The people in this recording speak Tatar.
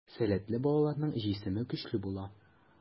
Сәләтле балаларның җисеме көчле була.